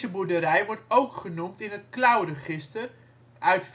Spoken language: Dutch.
boerderij wordt ook genoemd in het klauwregister uit